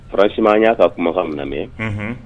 Fararansi y'a ka kuma ka minɛ